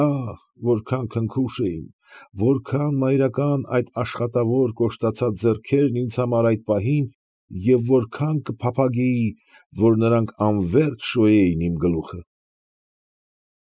Ահ, որքան քնքուշ էին, որքան մայրական այդ աշխատավոր կոշտացած ձեռքերն ինձ համար այդ պահին և որքան կփափագեի, որ նրանք անվերջ շոյեն իմ գլուխը։